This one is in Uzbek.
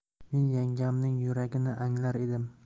men yangamning yuragini anglar edim